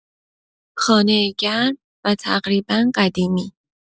خانه گرم و تقریبا قدیمی